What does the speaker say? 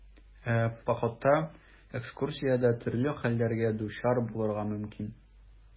Ә походта, экскурсиядә төрле хәлләргә дучар булырга мөмкин.